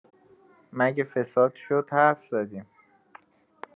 مگه فساد شد حرف زدیم؟